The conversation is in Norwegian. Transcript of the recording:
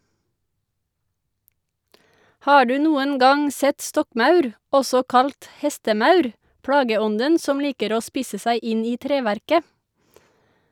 Har du noen gang sett stokkmaur, også kalt hestemaur, plageånden som liker å spise seg inn i treverket?